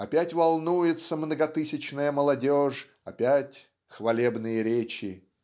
опять волнуется многотысячная молодежь опять хвалебные речи